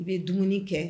U bɛ dumuni kɛ